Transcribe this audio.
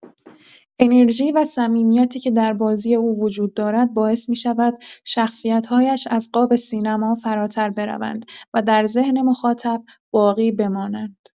انرژی و صمیمیتی که در بازی او وجود دارد باعث می‌شود شخصیت‌هایش از قاب سینما فراتر بروند و در ذهن مخاطب باقی بمانند.